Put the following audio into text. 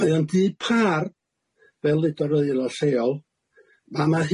Mae o'n dŷ pâr fel ledodd yr aelod lleol a ma'